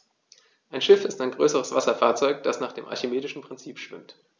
Ein Schiff ist ein größeres Wasserfahrzeug, das nach dem archimedischen Prinzip schwimmt.